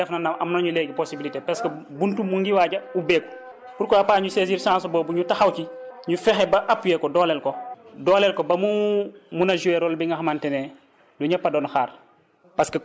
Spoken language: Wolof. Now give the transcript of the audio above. te yàlla def na nag am nañu léegi possibilité presque bunt mu ngi waaj a ubbeeku pourquoi pas ñu saisir chance boobu ñu taxaw ci ñu fexe baappuyé ko dooleel ko dooleel ko ba mu mun a jouer rôle bi nga xamante ne lu ñëpp doon xaar